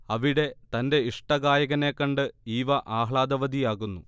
അവിടെ തന്റെ ഇഷ്ടഗായകനെ കണ്ട് ഈവ ആഹ്ലാദവതിയാകുന്നു